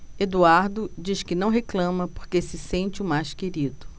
eduardo diz que não reclama porque se sente o mais querido